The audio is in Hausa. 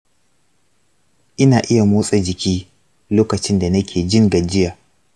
ina iya motsa jiki lokacin da nake jin gajiya.